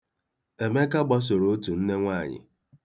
Emeka gbasoro otu nnenwaanyị.